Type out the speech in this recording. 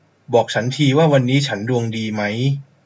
บอกฉันทีว่าวันนี้ฉันดวงดีมั้ย